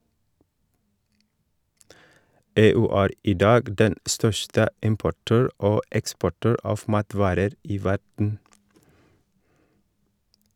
EU er i dag den største importør og eksportør av matvarer i verden.